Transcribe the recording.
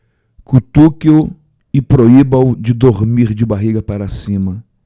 cutuque-o e proíba-o de dormir de barriga para cima